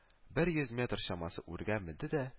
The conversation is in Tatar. Бер йөз метр чамасы үргә менде дә